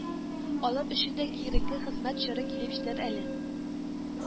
Алар өчен дә киеренке хезмәт чоры килеп җитәр әле